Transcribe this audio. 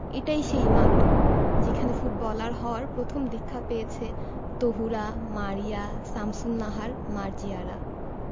এটাই সেই মাঠ যেখানে ফুটবলার হওয়ার প্রথম দীক্ষা পেয়েছে তহুরা মারিয়া শামসুন্নাহার মার্জিয়ারা